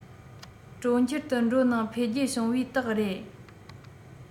གྲོང ཁྱེར དུ འགྲོ ནང འཕེལ རྒྱས བྱུང བའི རྟགས རེད